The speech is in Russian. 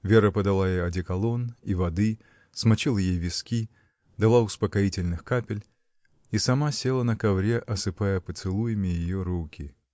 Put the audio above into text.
Вера подала ей одеколонь и воды, смочила ей виски, дала успокоительных капель и сама села на ковре, осыпая поцелуями ее руки.